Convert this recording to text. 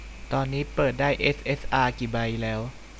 ตอนนี้เปิดได้เอสเอสอากี่ใบแล้ว